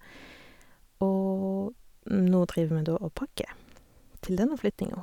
Og nå driver vi da og pakker til denne flyttinga.